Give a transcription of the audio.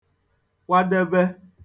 kwadebe